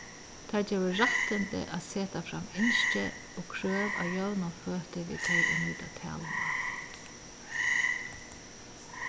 tað gevur rættindi at seta fram ynskir og krøv á jøvnum føti við tey ið nýta talumál